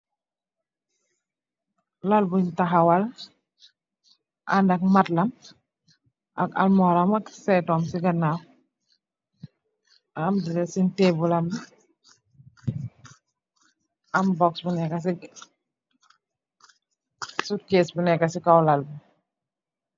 Lal bunj takhawal an ndat malah ak armuwar ak seetum si ganaw am dressing tabulam am box ak suitcase bu neka si kaww lal bi.